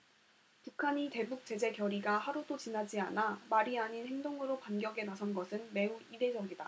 북한이 대북 제재 결의가 하루도 지나지 않아 말이 아닌 행동으로 반격에 나선 것은 매우 이례적이다